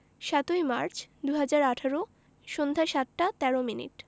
০৭মার্চ ২০১৮ সন্ধ্যা ৭টা ১৩ মিনিট